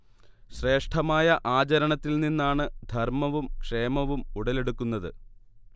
ശ്രഷ്ഠമായ ആചരണത്തിൽ നിന്നാണ് ധർമ്മവും, ക്ഷേമവും ഉടലെടുക്കുന്നത്